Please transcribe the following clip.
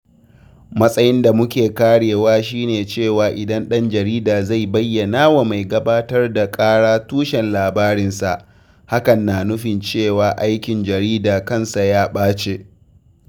“Matsayin da muke karewa shi ne cewa idan ɗan jarida zai bayyanawa mai gabatar da kara tushen labarinsa, hakan na nufin cewa aikin jarida kansa ya ɓace.”